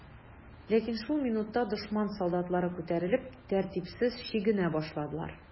Ләкин шул минутта дошман солдатлары күтәрелеп, тәртипсез чигенә башладылар.